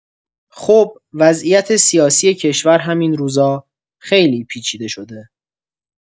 خب، وضعیت سیاسی کشور هم این روزا خیلی پیچیده شده!